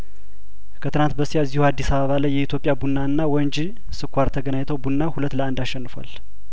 ከትናንት በስቲያ እዚሁ አዲስ አበባ ላይ የኢትዮጵያ ቡናና ወንጂ ስኳር ተገናኝ ተው ቡና ሁለት ለአንድ አሸንፏል